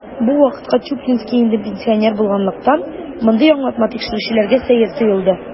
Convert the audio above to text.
Бу вакытка Чуплинский инде пенсионер булганлыктан, мондый аңлатма тикшерүчеләргә сәер тоелды.